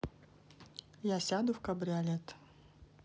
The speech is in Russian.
я сяду в кабриолет